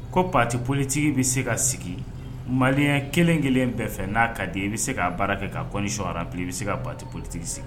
Ko parti politique bɛ se ka sigi malien kelenkelen bɛɛ fɛ n'a ka d'i ye i bɛ se k'a baara kɛ ka sɔrɔ a et puis i bɛ se ka parti politique sigi.